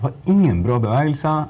var ingen brå bevegelser.